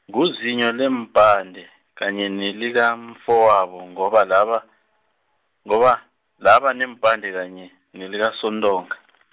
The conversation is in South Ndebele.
nguzinyo leempande, kanye nelikamfowabo, ngoba laba, ngoba, laba neempande kanye, nelikaSoNtonga .